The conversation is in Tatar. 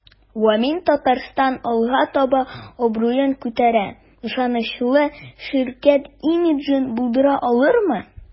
"вамин-татарстан” алга таба абруен күтәрә, ышанычлы ширкәт имиджын булдыра алырмы?